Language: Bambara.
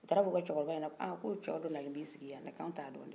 u taara f'u ka cɛkɔrɔba ɲɛna ko cɛ dɔ nalen b'i sigin yan nɔn k'an t'a d o dɛ